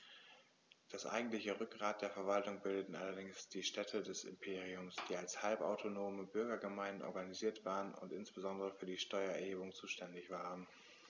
Das eigentliche Rückgrat der Verwaltung bildeten allerdings die Städte des Imperiums, die als halbautonome Bürgergemeinden organisiert waren und insbesondere für die Steuererhebung zuständig waren.